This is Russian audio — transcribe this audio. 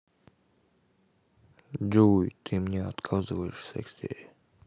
джой ты мне отказываешь в сексе